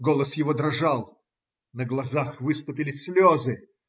Голос его дрожал, на глазах выступили слезы.